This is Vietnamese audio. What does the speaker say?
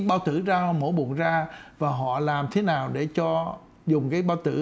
bao tử ra mổ bụng ra và họ làm thế nào để cho dùng cái bao tử